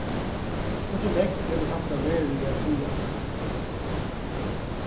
hvussu nógv hevur hatta veruliga at týða